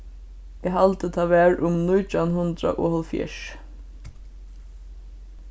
eg haldi tað var um nítjan hundrað og hálvfjerðs